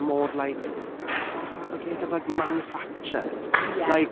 A mor like… is it fabricated? Like manufactured, like... Ie.